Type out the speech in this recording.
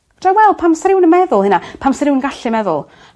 Dwi me'wl pam sa rywun yn meddwl hynna pam sa rywun gallu meddwl